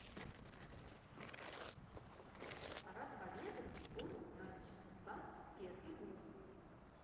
парад победы город нальчик двадцать первый год